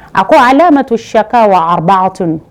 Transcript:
A ko